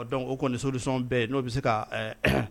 Dɔn o kɔni ni sodisɔn bɛ yen n'o bɛ se ka